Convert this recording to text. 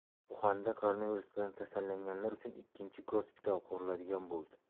uxanda koronavirus bilan kasallanganlar uchun ikkinchi gospital quriladigan bo'ldi